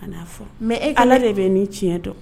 A n'a fɔ mɛ e ala de bɛ ni tiɲɛ dɔn